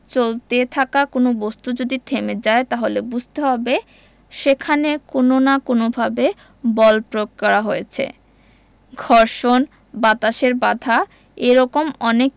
চলতে থাকা কোনো বস্তু যদি থেমে যায় তাহলে বুঝতে হবে সেখানে কোনো না কোনোভাবে বল প্রয়োগ করা হয়েছে ঘর্ষণ বাতাসের বাধা এ রকম অনেক